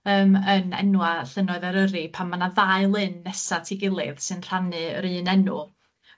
yym yn enwa' llynnoedd Eryri pan ma' 'na ddau lyn nesa at 'i gilydd sy'n rhannu yr un enw.